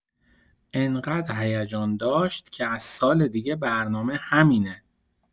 انقد هیجان داشت که از سال دیگه برنامه همینه!